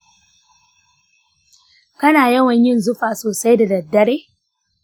kana yawan yin zufa sosai da daddare?